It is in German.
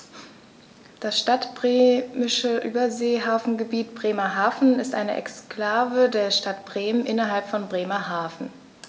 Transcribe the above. Das Stadtbremische Überseehafengebiet Bremerhaven ist eine Exklave der Stadt Bremen innerhalb von Bremerhaven.